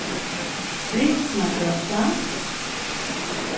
bringsnagøta